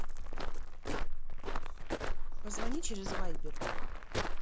позвони через вайбер